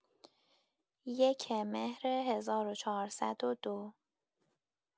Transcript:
۱ مهر ۱۴۰۲